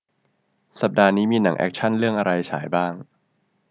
สัปดาห์นี้มีหนังแอ็คชั่นเรื่องอะไรฉายบ้าง